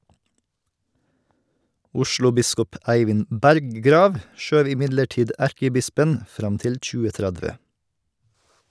Oslobiskop Eivind Berggrav skjøv imidlertid erkebispen fram til 2030.